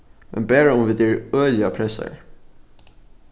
men bara um vit eru øgiliga pressaðir